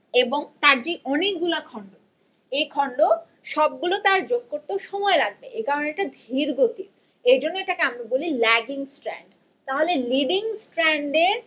এবং তার যে অনেক গুলা খন্ড এই খন্ড সবগুলো তার যোগ করতে সময় লাগবে এ কারনে এটা ধীর গতির এজন্য আমরা এটা কে বলি ল্যাগিং স্ট্র্যান্ড তাহলে নিডিং স্ট্র্যান্ড এর